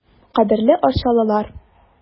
Кадерле арчалылар!